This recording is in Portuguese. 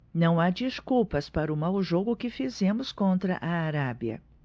não há desculpas para o mau jogo que fizemos contra a arábia